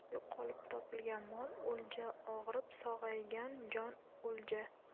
yo'qolib topilgan mol o'lja og'rib sog'aygan jon o'lja